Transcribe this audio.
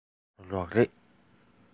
རོགས རེས